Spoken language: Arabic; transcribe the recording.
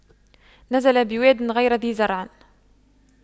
نزل بواد غير ذي زرع